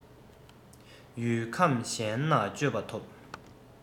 ཡུལ ཁམས གཞན ན མཆོད པ ཐོབ